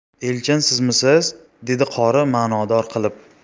elchin sizmisiz dedi qori ma'nodor qilib